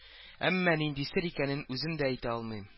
Әмма нинди сер икәнен үзем дә әйтә алмыйм